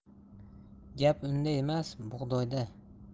gap unda emas bug'doyda